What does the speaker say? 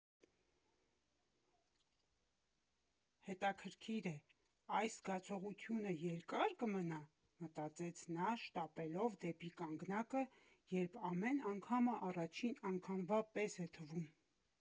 Հետաքրքիր է, այս զգացողությունը երկա՞ր կմնա, մտածեց նա, շտապելով դեպի կանգնակը, երբ ամեն անգամը առաջին անգամվա պես է թվում։